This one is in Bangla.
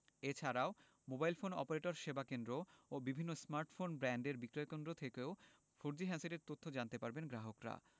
এ ছাড়াও মোবাইল ফোন অপারেটরের সেবাকেন্দ্র ও বিভিন্ন স্মার্টফোন ব্র্যান্ডের বিক্রয়কেন্দ্র থেকেও ফোরজি হ্যান্ডসেটের তথ্য জানতে পারবেন গ্রাহকরা